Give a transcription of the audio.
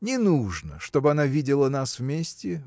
Не нужно, чтоб она видела нас вместе